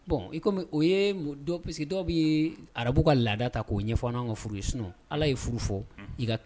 Bon i komi o ye dɔw bi arabuw ka laada ta ko ɲɛfɔ nan ka furu ye. Sinon ala ye furu fɔ i ka